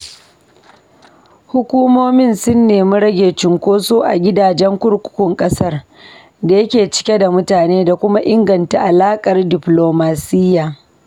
Hukumomin sun nemi rage cunkoso a gidajan kurkukun ƙasar da yake cike da mutane da kuma inganta alaƙar diflomasiyya.